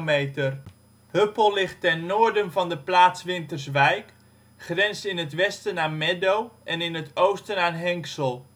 17 km². Huppel ligt ten noorden van de plaats Winterswijk, grenst in het westen aan Meddo en in het oosten aan Henxel.